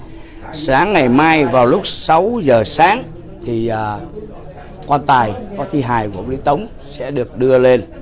sáng ngày mai vào lúc sáu giờ sáng thì ờ quan tài có thi hài của ông lý tống sẽ được đưa lên